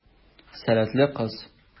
Сәләтле кыз.